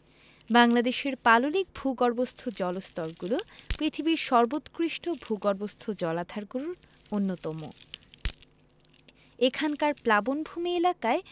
বাংলাদেশের পাললিক ভূগর্ভস্থ জলস্তরগুলো পৃথিবীর সর্বোৎকৃষ্টভূগর্ভস্থ জলাধারগুলোর অন্যতম এখানকার প্লাবনভূমি এলাকায়